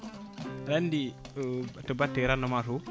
aɗa andi to batte rendement to